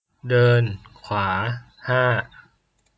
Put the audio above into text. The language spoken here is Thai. เดินขวาห้า